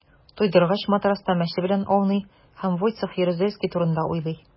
Туйдыргач, матраста мәче белән ауный һәм Войцех Ярузельский турында уйлый.